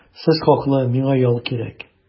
Сез хаклы, миңа ял кирәк.